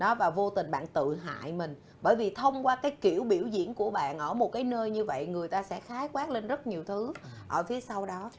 đó và vô tình bạn tự hại mừn bởi vì thông qua cái kiểu biểu diễn của bạn ở một cái nơi như vậy người ta sẽ khái quát lên rất nhiều thứ ở phía sau đó